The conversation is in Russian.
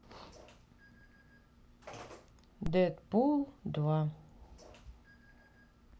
дэдпул два